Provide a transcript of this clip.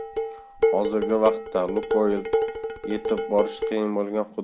hozirgi vaqtda lukoyl yetib borish qiyin bo'lgan